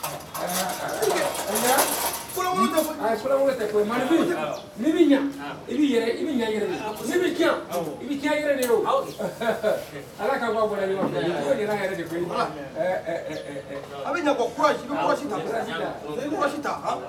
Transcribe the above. I i bɛ de ala ka bɔ de a bɛkɔsi